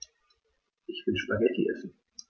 Ich will Spaghetti essen.